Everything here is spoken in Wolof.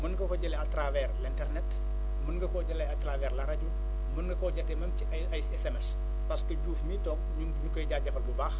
mën nga ko jëlee à travers l' internet mën nga koo jëlee à travers la rajo mën na koo jëlee même ci ay ay SMS parce que Diouf mii toog ñun ñu koy jaajëfal bu baax